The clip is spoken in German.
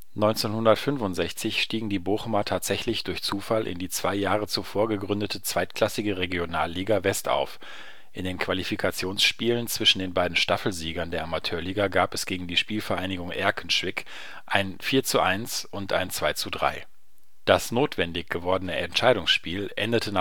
1965 stiegen die Bochumer tatsächlich durch Zufall in die zwei Jahre zuvor gegründete zweitklassige Regionalliga West auf: In den Qualifikationsspielen zwischen den beiden Staffelsiegern der Amateurliga gab es gegen die SpVgg Erkenschwick ein 4:1 und ein 2:3. Das notwendig gewordene Entscheidungsspiel endete